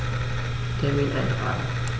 Termin eintragen